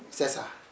c' est ça